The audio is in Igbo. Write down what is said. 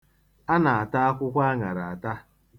A na-ata akwụkwo aṅara ata.